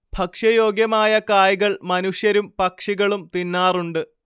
ഭക്ഷ്യയോഗ്യമായ കായ്കൾ മനുഷ്യരും പക്ഷികളും തിന്നാറുണ്ട്